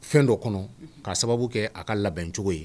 Fɛn dɔ kɔnɔ k kaa sababu kɛ a ka labɛncogo ye